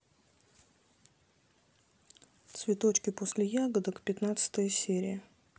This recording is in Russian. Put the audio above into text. цветочки после ягодок пятнадцатая серия